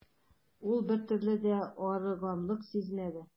Ул бертөрле дә арыганлык сизмәде.